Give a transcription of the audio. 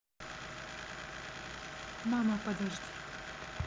мама подожди